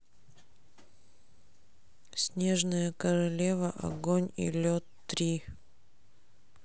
снежная королева огонь и лед три